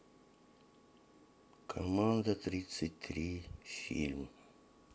команда тридцать три фильм